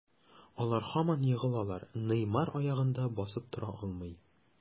Алар һаман егылалар, Неймар аягында басып тора алмый.